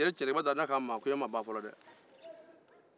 jeli tiɲɛtigiba dantɛ ko a ma ko koɲɛ ma ban fɔlɔ dɛ